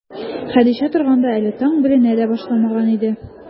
Хәдичә торганда, әле таң беленә дә башламаган иде.